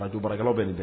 A to bara bɛ dɛ